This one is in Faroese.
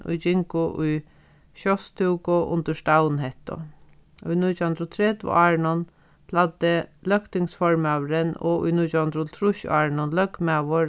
ið gingu í sjóstúku undir stavnhettu í nítjanhundraðogtretivuárunum plagdi løgtingsformaðurin og í nítjanhundraðoghálvtrýssárunum løgmaður